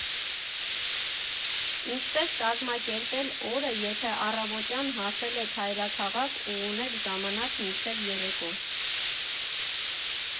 Ինչպես կազմակերպել օրը, եթե առավոտյան հասել եք հայրաքաղաք ու ունեք ժամանակ մինչև երեկո։